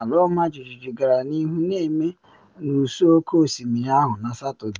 Ala ọmajiji gara n’ihu na eme n’ụsọ oke osimiri ahụ na Satọde.